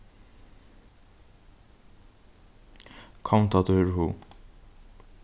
kom tá tú hevur hug